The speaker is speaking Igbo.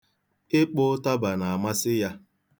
Ịkpọ ụtaba na-amasị ya.